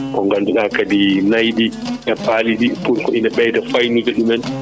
ko ngannduɗaa kadi nayyi ɗi e baali ɗi pour ina beyda faynude ɗumen